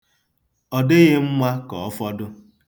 Ọ dịghị mma ka ọ fọdụ.